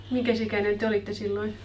minkäs ikäinen te olitte silloin